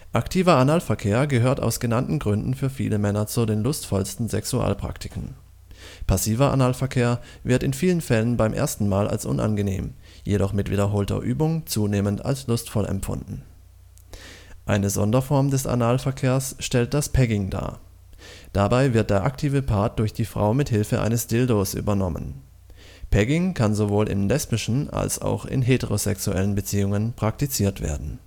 Aktiver Analverkehr gehört aus genannten Gründen für viele Männer zu den lustvollsten Sexualpraktiken. Passiver Analverkehr wird in vielen Fällen beim ersten Mal als unangenehm, jedoch mit wiederholter Übung zunehmend als lustvoll empfunden. Eine Sonderform des Analverkehrs stellt das Pegging dar, dabei wird der aktive Part durch die Frau mit Hilfe eines Dildo übernommen. Pegging kann sowohl in lesbischen als auch in heterosexuellen Beziehungen praktiziert werden